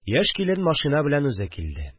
Яшь килен машина белән үзе килде